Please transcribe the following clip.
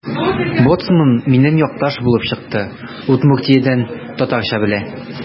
Боцман минем якташ булып чыкты: Удмуртиядән – татарча белә.